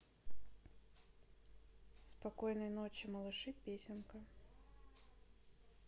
спокойной ночи малыши песенка